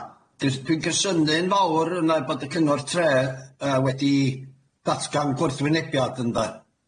dwi'n cysynnu'n fawr yna bod y cyngordd tre yyy wedi datgan gwrthwynebiad ynde?